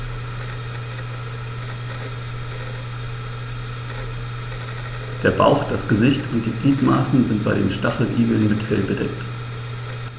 Der Bauch, das Gesicht und die Gliedmaßen sind bei den Stacheligeln mit Fell bedeckt.